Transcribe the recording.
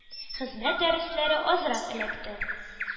“хезмәт дәресләре” азрак эләкте.